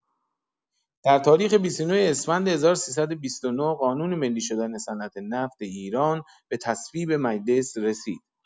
در تاریخ ۲۹ اسفند ۱۳۲۹ قانون ملی شدن صنعت‌نفت ایران به تصویب مجلس رسید.